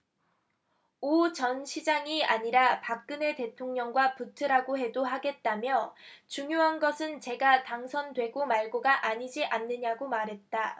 오 전 시장이 아니라 박근혜 대통령과 붙으라고 해도 하겠다며 중요한 것은 제가 당선되고 말고가 아니지 않느냐고 말했다